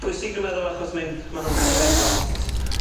Bwysig dwi meddwl achos mae'n ma' nw'n cymryd drost.